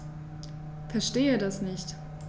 Verstehe das nicht.